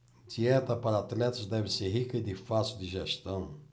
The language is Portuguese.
dieta para atletas deve ser rica e de fácil digestão